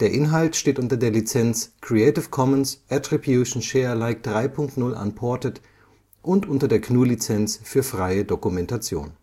Inhalt steht unter der Lizenz Creative Commons Attribution Share Alike 3 Punkt 0 Unported und unter der GNU Lizenz für freie Dokumentation